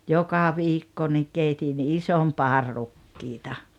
joka viikko niin keitin ison padan rukiita